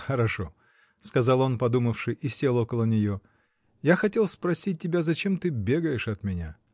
— Хорошо, — сказал он, подумавши, и сел около нее, — я хотел спросить тебя, зачем ты бегаешь от меня?